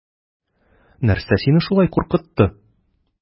Нәрсә саине шулай куркытты?